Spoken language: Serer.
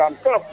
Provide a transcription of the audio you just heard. kaa felaam trop